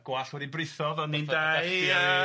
y gwallt wedi britho fel ni'n dau, ia,